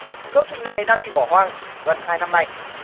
công trình này đã bị bỏ hoang gần hai năm nay